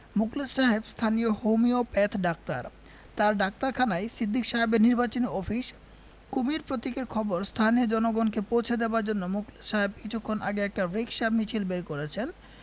মুখলেস সাহেব স্থানীয় homeopath doctor তাঁর ডাক্তারখানাই সিদ্দিক সাহেবের নির্বাচনী অফিস কুমীর প্রতীকের খবর স্থানীয় জনগণকে পৌঁছে দেবার জন্যে মুখলেস সাহেব কিছুক্ষণ আগে একটা রিকশা মিছিল বের করেছেন